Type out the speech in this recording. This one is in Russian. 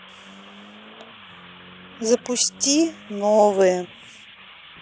запусти новые